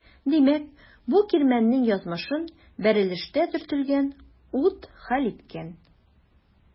Димәк бу кирмәннең язмышын бәрелештә төртелгән ут хәл иткән.